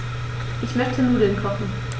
Ich möchte Nudeln kochen.